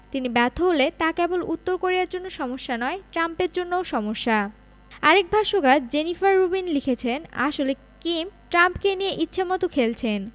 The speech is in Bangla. তিনি ব্যর্থ হলে তা কেবল উত্তর কোরিয়ার জন্য সমস্যা নয় ট্রাম্পের জন্যও সমস্যা আরেক ভাষ্যকার জেনিফার রুবিন লিখেছেন আসলে কিম ট্রাম্পকে নিয়ে ইচ্ছেমতো খেলছেন